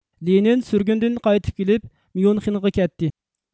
لېنىن سۈرگۈندىن قايتىپ كېلىپ ميۇنخېنغا كەتتى